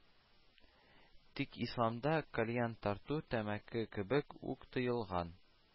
Тик Исламда кальян тарту, тәмәке кебек үк, тыелган